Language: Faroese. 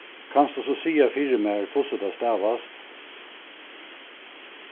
kanst tú so siga fyri mær hvussu tað stavast